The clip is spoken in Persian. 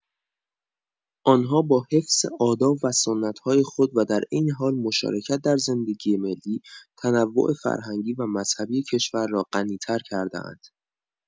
آنها با حفظ آداب و سنت‌های خود و در عین حال مشارکت در زندگی ملی، تنوع فرهنگی و مذهبی کشور را غنی‌تر کرده‌اند.